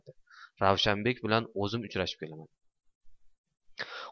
ravshanbekka o'zim uchrashib kelaman